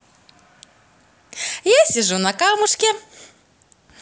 я сижу на камушке